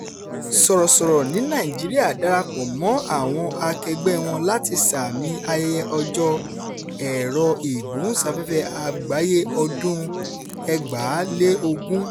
Sọ̀rọ̀sọ̀rọ̀ ní Nàìjíríà darapọ̀ mọ́ àwọn akẹgbẹ́-ẹ wọn láti sààmì ayẹyẹ Ọjọ́ Ẹ̀rọ-ìgbóhùnsáfẹ́fẹ́ Àgbáyé ọdún-un 2020